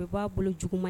U' aa kolon jugu ma ye